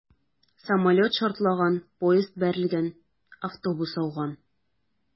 Самолет шартлаган, поезд бәрелгән, автобус ауган...